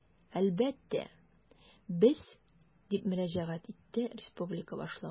Әлбәттә, без, - дип мөрәҗәгать итте республика башлыгы.